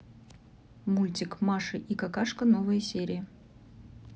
мультик маша и какашка новые серии